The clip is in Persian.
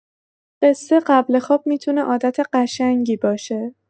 قصه قبل خواب می‌تونه عادت قشنگی باشه.